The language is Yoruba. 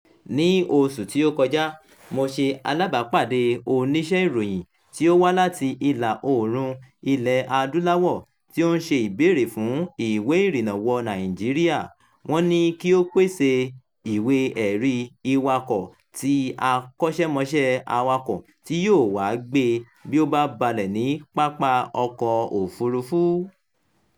Ní oṣù ti ó kojá, mo ṣe alábàápàdé oníṣẹ́-ìròyìn tí ó wá láti Ìlà-oòrùn Ilẹ̀-adúláwọ̀ tí ó ń ṣe ìbéèrè fún ìwé ìrìnnà wọ Nàìjíríà. Wọ́n ní kí ó pèsèe ìwé-ẹ̀rí ìwákọ̀ọ ti akọ́ṣẹ́mọṣẹ́ awakọ̀ tí yóò wá gbé e bí ó bá balẹ̀ ní pápá-ọkọ̀-òfuurufú!